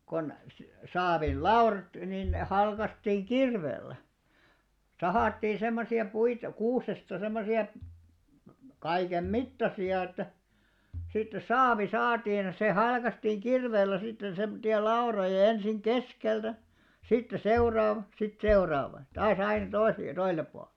kun saavilla laudat niin ne halkaistiin kirveellä sahattiin semmoisia puita kuusesta semmoisia kaiken mittaisia että sitten saavi saatiin se halkaistiin kirveellä sitten semmoisia lautoja ja ensin keskeltä sitten seuraava sitten seuraava ja taas aina toiselle ja toiselle puolen